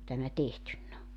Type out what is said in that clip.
kun tämä tehty on